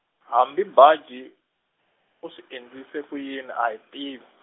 hambi Baji, u swi endlise ku yini, a hi tiv-.